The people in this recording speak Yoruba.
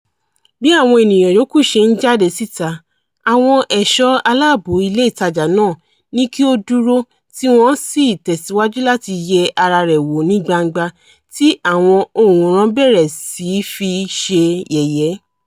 Bí àwọn ènìyàn yòókù ṣe ń jáde síta, àwọn ẹ̀ṣọ́-aláàbò ilé ìtajà náà ní kí ó dúró tí wọ́n sì tẹ̀síwajú láti yẹ ara rẹ̀ wò ní gbangba tí àwọn òǹwòran bẹ̀rẹ̀ sí í fi ṣe yẹ̀yẹ́.